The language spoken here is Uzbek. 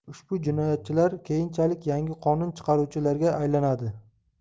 ushbu jinoyatchilar keyinchalik yangi qonun chiqaruvchilarga aylanadi